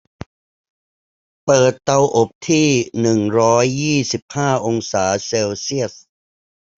เปิดเตาอบที่หนึ่งร้อยยี่สิบห้าองศาเซลเซียส